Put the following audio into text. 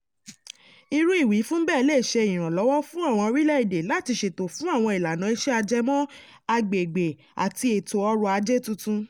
Irú ìwífún bẹ́ẹ̀ lè ṣe ìrànlọ́wọ́ fún àwọn orílẹ̀-èdè láti ṣètò fún àwọn ìlànà-ìṣe ajẹmọ́-agbègbè àti ètò ọrọ̀-ajé tuntun.